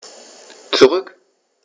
Zurück.